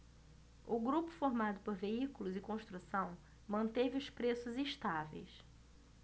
o grupo formado por veículos e construção manteve os preços estáveis